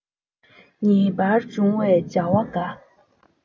ངེས པར འབྱུང བའི བྱ བ འགའ